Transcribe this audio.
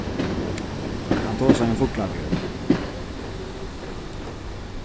hann tosaði um fuglafjørð